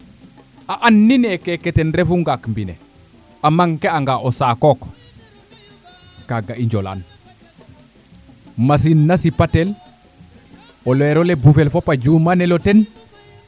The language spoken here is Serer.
a an nine keke ten refu ngaak mbine a manquer anga o saakook kaga i njolan machine na sipatel o lerole bufel fop a jumanelo ten